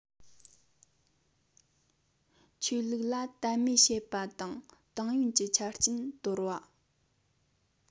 ཆོས ལུགས ལ དད མོས བྱེད པ དང ཏང ཡོན གྱི ཆ རྐྱེན དོར བ